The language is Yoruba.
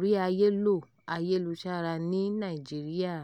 rí àyè lo ayélujára ní Nàìjíríà.